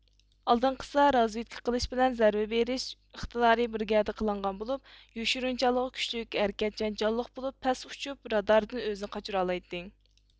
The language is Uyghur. ئالدىنقىسىدا رازۋېدكا قىلىش بىلەن زەربە بېرىش ئىقتىدارى بىر گەۋدە قىلىنغان بولۇپ يوشۇرۇنچانلىقى كۈچلۈك ھەرىكەتچان جانلىق بولۇپ پەس ئۇچۇپ راداردىن ئۆزىنى قاچۇرالايتتى